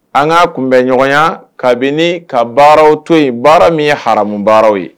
An kaa kun bɛ ɲɔgɔn kabini ka baaraw to in baara min ye hamu baara ye